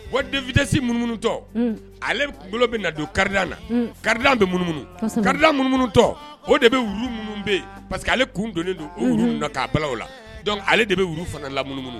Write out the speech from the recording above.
Wa den vtsi mununutɔ ale bɛ na don kari na kari bɛ mununu ka mun minnutɔ o de bɛ wu minnu bɛ pa parce que ale kun don don u kaa bala la dɔnkuc ale de bɛ wu fanala munumunu